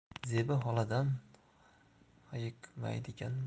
zebi xoladan hayiqmaydigan